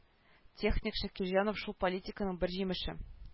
Техник шакирҗанов шул политиканың бер җимеше